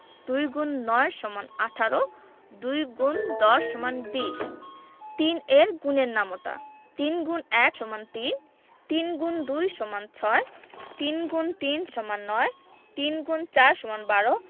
২ X ৯ = ১৮ ২ ×১০ = ২০ ৩ এর গুণের নামতা ৩ X ১ = ৩ ৩ X ২ = ৬ ৩ × ৩ = ৯ ৩ X ৪ = ১২